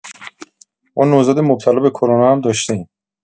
ما نوزاد مبتلا به کرونا هم داشته‌ایم.